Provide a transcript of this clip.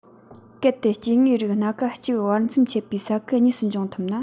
གལ ཏེ སྐྱེ དངོས རིགས སྣ ཁ གཅིག བར མཚམས ཆད པའི ས ཁུལ གཉིས སུ འབྱུང ཐུབ ན